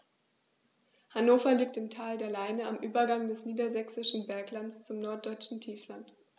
Hannover liegt im Tal der Leine am Übergang des Niedersächsischen Berglands zum Norddeutschen Tiefland.